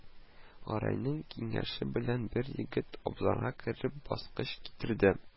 Гәрәйнең киңәше белән бер егет, абзарга кереп, баскыч китерде